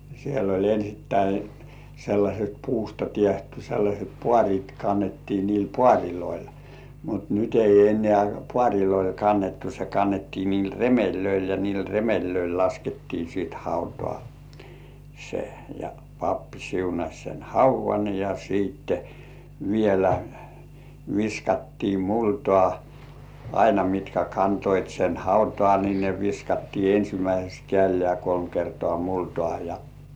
siellä oli ensin sellaiset puusta tehty sellaiset paarit kannettiin niillä paareilla mutta nyt ei enää paareilla kannettu se kannettiin niillä remeleillä ja niillä remeleillä laskettiin sitten hautaan se ja pappi siunasi sen haudan ja sitten vielä viskattiin multaa aina mitkä kantoivat sen hautaan niin ne viskattiin ensimmäiseksi kädellä kolme kertaa multaa ja